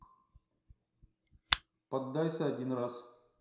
поддайся один раз